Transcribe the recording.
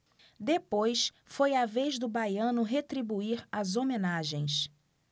depois foi a vez do baiano retribuir as homenagens